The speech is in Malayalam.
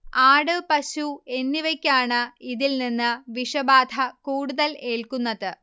ആട്, പശു എന്നിവയ്ക്കാണ് ഇതിൽ നിന്ന് വിഷബാധ കൂടുതൽ ഏൽക്കുന്നത്